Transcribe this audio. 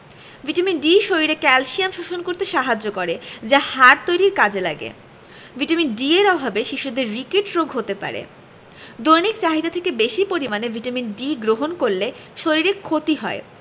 vitamin D শরীরে calcium শোষণ করতে সাহায্য করে যা হাড় তৈরীর কাজে লাগে ভিটামিন D এর অভাবে শিশুদের রিকেট রোগ হতে পারে দৈনিক চাহিদা থেকে বেশী পরিমাণে ভিটামিন D গ্রহণ করলে শরীরের ক্ষতি হয়